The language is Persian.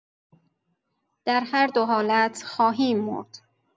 در هر دو حالت خواهیم مرد.